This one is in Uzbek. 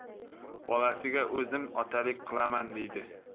bolasiga o'zim otalik qilaman deydi